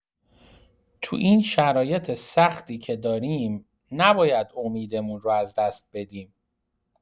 تو این شرایط سختی که داریم، نباید امیدمون رو از دست بدیم.